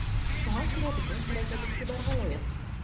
Шуңа күрә безнең хәрәкәт игътибарга лаек.